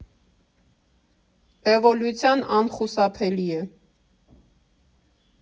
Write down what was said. Էվոլյուցիան անխուսափելի է։